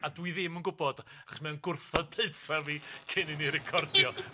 A dwi ddim yn gwbod achos mae o'n gwrthod deutha fi cyn i ni recordio.